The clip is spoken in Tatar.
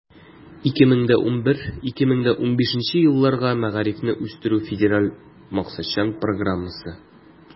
2011 - 2015 елларга мәгарифне үстерү федераль максатчан программасы.